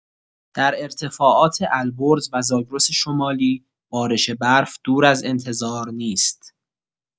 در ارتفاعات البرز و زاگرس شمالی بارش برف دور از انتظار نیست.